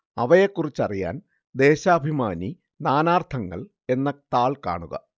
അവയെക്കുറിച്ചറിയാന്‍ ദേശാഭിമാനി നാനാര്‍ത്ഥങ്ങള്‍ എന്ന താള്‍ കാണുക